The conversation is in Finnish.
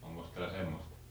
onkos täällä semmoista